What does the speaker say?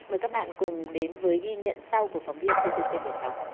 mời các bạn cùng đến với ghi nhận sau của phóng viên vê tê xê mười sáu